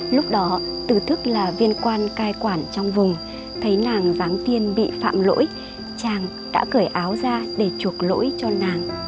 lúc đó từ thức là viên quan cai quản trong vùng thấy nàng giáng tiên bị phạm lỗi chàng đã cởi áo ra để chuộc lỗi cho nàng